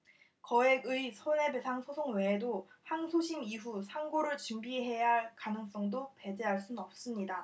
거액의 손해배상 소송 외에도 항소심 이후 상고를 준비해야 할 가능성도 배제할 순 없습니다